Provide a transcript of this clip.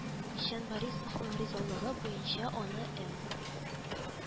Чанбарисовның ризалыгы буенча аны эМ